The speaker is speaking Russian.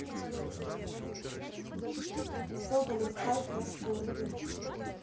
соболев хайп на скорби